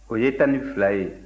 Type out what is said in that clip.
o ye tan ni fila ye